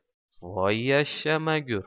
voy yashshamagur